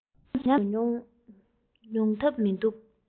ཉམས སུ མྱོང ཐབས མི འདུག